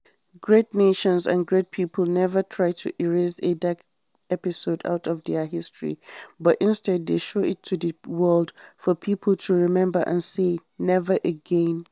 Great nations and great people never try to erase a dark episode out of their history but instead they show it to the world for everyone to remember and say "NEVER AGAIN".